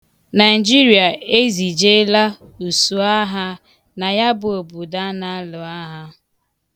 Naịjirịa ezijela usuagha na ya bụ obodo a na-alụ agha.